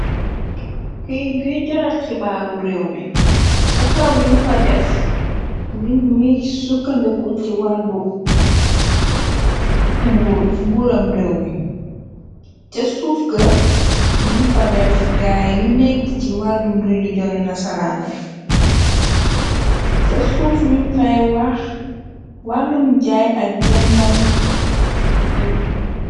Kiyit guy joxe xibaaru réew mi, ca kaw ñum fa def, nit ñuy sukkandeku ci wàl nguuram réew mi, ca suuf ka ñum fa def gaay yu nekk ci wàllum rili jonina saraan ne, sa suuf ñum fay waax wàllum jaay ak jandamu.